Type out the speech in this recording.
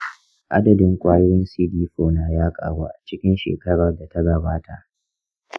adadin ƙwayoyin cd4 na ya ƙaru a cikin shekarar da ta gabata.